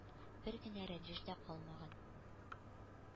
Бер генә рәнҗеш тә калмаган...